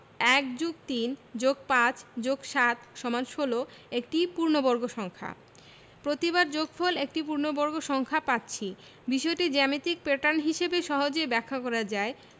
১+৩+৫+৭=১৬ একটি পূর্ণবর্গ সংখ্যা প্রতিবার যোগফল একটি পূর্ণবর্গ সংখ্যা পাচ্ছি বিষয়টি জ্যামিতিক প্যাটার্ন হিসেবে সহজেই ব্যাখ্যা করা যায়